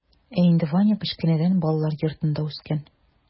Ә инде ваня кечкенәдән балалар йортында үскән.